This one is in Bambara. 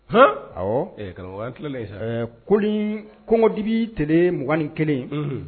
Hɔn ! Awɔ karamɔgɔ an tilalen sa ɛɛ koli kɔngɔdibi tile 21 unhun